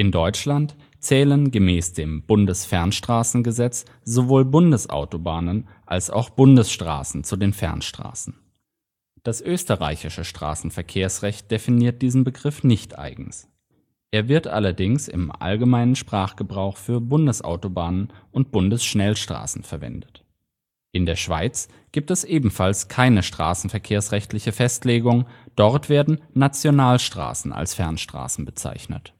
Deutschland zählen gemäß dem Bundesfernstraßengesetz sowohl Bundesautobahnen als auch Bundesstraßen zu den Fernstraßen. Das österreichische Straßenverkehrsrecht definiert nicht eigens. Der Begriff wird allerdings im allgemeinen Sprachgebrauch für Bundesautobahnen und Bundesschnellstraßen verwendet. In der Schweiz gibt es ebenfalls keine straßenverkehrsrechtliche Festlegung. Dort werden Nationalstrassen als Fernstraßen bezeichnet